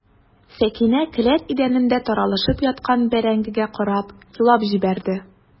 Сәкинә келәт идәнендә таралышып яткан бәрәңгегә карап елап җибәрде.